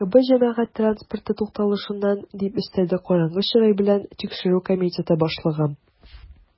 "ркб җәмәгать транспорты тукталышыннан", - дип өстәде караңгы чырай белән тикшерү комитеты башлыгы.